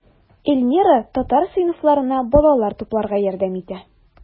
Эльмира татар сыйныфларына балалар тупларга ярдәм итә.